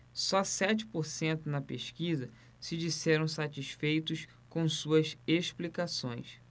só sete por cento na pesquisa se disseram satisfeitos com suas explicações